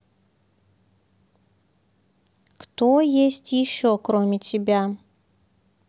кто есть еще кроме тебя